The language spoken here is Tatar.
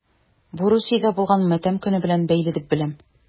Бу Русиядә булган матәм көне белән бәйле дип беләм...